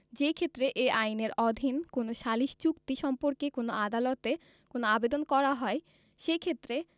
যেইক্ষেত্রে এই আইনের অধীন কোন সালিস চুক্তি সম্পর্কে কোন আদালতে কোন আবেদন করা হয় সেইক্ষেত্রে